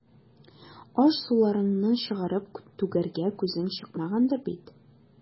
Аш-суларыңны чыгарып түгәргә күзең чыкмагандыр бит.